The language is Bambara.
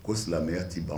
Ko silamɛya ti ban.